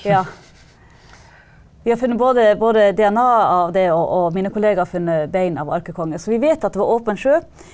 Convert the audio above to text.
ja vi har funnet både både DNA av det, og og mine kolleger har funnet bein av alkekonge så vi vet at det var åpen sjø.